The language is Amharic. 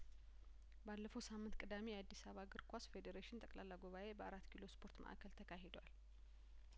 ባለፈው ሳምንት ቅዳሜ የአዲስአባ እግር ኳስ ፌዴሬሽን ጠቅላላ ጉባኤ በአራት ኪሎ ስፖርት ማእከል ተካሂዷል